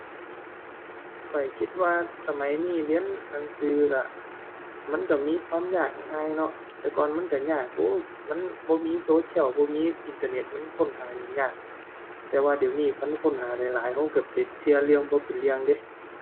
ข้อยคิดว่าสมัยนี้เรียนหนังสือก็มันก็มีความยากง่ายเนาะ แต่ก่อนมันก็ยากโพด มันบ่มีโซเชียล บ่มีอินเทอร์เน็ต มันค้นหาหยังยาก แต่ว่าเดี๋ยวนี้คันค้นหาหลายหลายก็ก็ไปเชื่อเรื่องบ่เป็นเรื่องเดะ